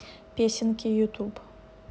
песенки ютуб